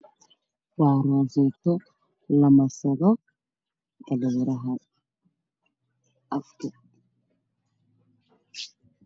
Waa rooseeto la marsado afka